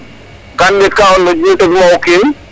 Gan ndet ka nu teg ma o kiin